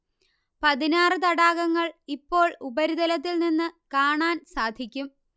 പതിനാറ് തടാകങ്ങൾ ഇപ്പോൾ ഉപരിതലത്തിൽ നിന്ന് കാണാൻ സാധിക്കും